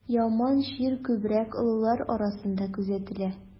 Яман чир күбрәк олылар арасында күзәтелә.